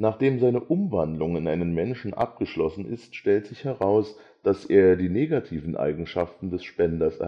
Nachdem seine Umwandlung in einen Menschen abgeschlossen ist, stellt sich heraus, dass er die negativen Eigenschaften des Spenders